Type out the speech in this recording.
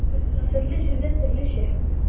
Төрле җирдә төрлечә.